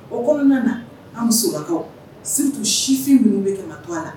O kɔnɔna an musobakaw segutu sifin minnu bɛ ka ka to a la